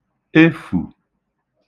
efù